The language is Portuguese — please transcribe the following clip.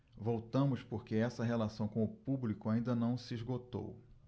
voltamos porque essa relação com o público ainda não se esgotou